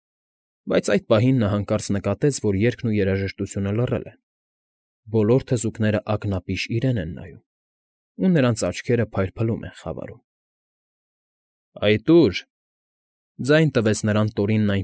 Բայց այդ պահին նա հանկարծ նկատեց, որ երգն ու երաժշտությունը լռել են, բոլոր թզուկներն ակնապիշ իրեն են նայում, և նրանց աչքերը փայլատակում են խավարում։ ֊ Այդ ո՞ւր, ֊ ձայն տվեց նրան Տորինը։